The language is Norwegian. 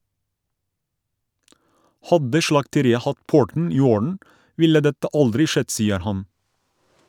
- Hadde slakteriet hatt porten i orden, ville dette aldri skjedd, sier han.